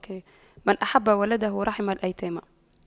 من أحب ولده رحم الأيتام